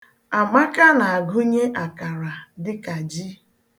Amaka na-agụnye akara dịka ji.